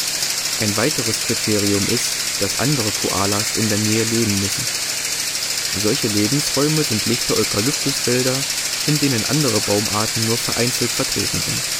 Ein weiteres Kriterium ist, dass andere Koalas in der Nähe leben müssen. Solche Lebensräume sind lichte Eukalyptuswälder, in denen andere Baumarten nur vereinzelt vertreten sind